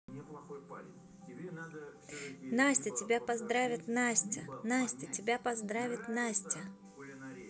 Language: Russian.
настя тебя поздравит настя настя тебя поздравит настя